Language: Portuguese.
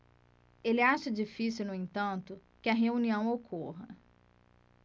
ele acha difícil no entanto que a reunião ocorra